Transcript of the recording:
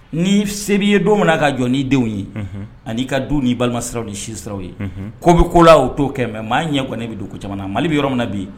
Ni se'i ye don minna ka jɔn' denw ye anii ka du ni balimasiraraw ni sin siraraww ye ko bɛ ko la' o to'o kɛ maa ɲɛ kɔni ne bɛ don dugu caman mali bɛ yɔrɔ min na bi yen